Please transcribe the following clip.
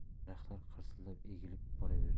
daraxtlar qirsillab egilib boraverdi